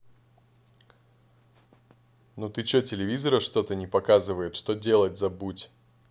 ну ты че телевизора что то не показывает что делать забудь